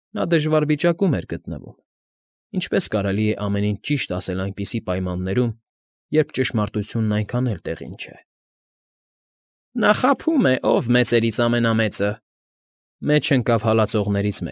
Նա դժվար վիճակում էր գտնվում. ինչպես կարելի է ամեն ինչ ճիշտ ասել այնպիսի պայմաններում, երբ ճշմարտությունն այնքան էլ տեղին չէ։ ֊ Նա խաբում է, ով մեծերից ամենամեծը,֊ մեջ ընկավ հալածողներից։